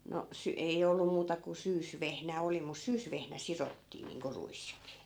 no - ei ollut muuta kuin syysvehnä oli mutta syysvehnä sidottiin niin kuin ruiskin